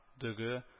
Дөге